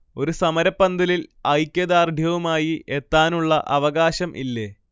ഒരു സമരപന്തലിൽ ഐക്യദാർഢ്യവുമായി എത്താനുള്ള അവകാശം ഇല്ലേ